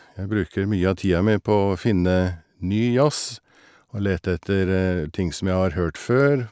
Jeg bruker mye av tida mi på å finne ny jazz og lete etter ting som jeg har hørt før.